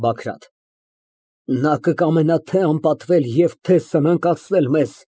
ԲԱԳՐԱՏ ֊ Նա կկամենա թե անպատվել և թե սնանկացնել մեզ։